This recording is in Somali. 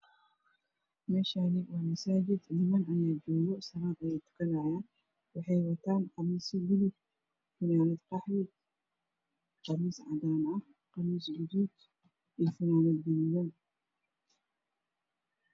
Meshana waa masjid niman ayajoga salad ayey dukanayan waxey watan qamisyo bulug fanand qaxwi qamis cadan ah qamis gadud ah io fanand gadudan